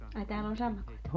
ai täällä on sammakoita